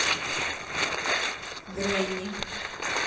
гренни